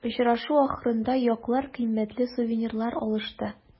Очрашу ахырында яклар кыйммәтле сувенирлар алышты.